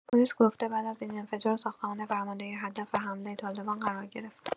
پلیس گفته بعد از این انفجار، ساختمان فرماندهی هدف حمله طالبان قرار گرفت.